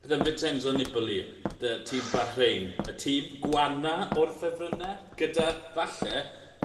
beth am Vincenzo Nibali? 'Da tîm Barhain? Y tîm gwana o'r ffefrynne gyda falle